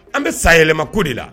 An bɛ san yɛlɛma ko de la.